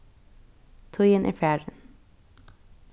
tíðin er farin